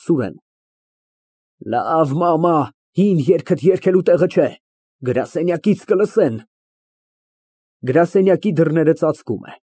ՍՈՒՐԵՆ ֊ Լավ, մամա, հին երգ երգելու տեղը չէ, գրասենյակից կլսեն։ (Գրասենյակի դռները ծածկում է)։